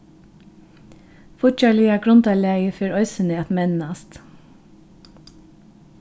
fíggjarliga grundarlagið fer eisini at mennast